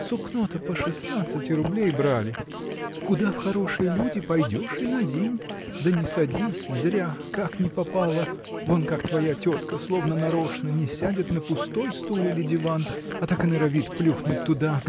сукно-то по шестнадцать рублей брали. Куда в хорошие люди пойдешь и надень да не садись зря как ни попало вон как твоя тетка словно нарочно не сядет на пустой стул или диван а так и норовит плюхнуть туда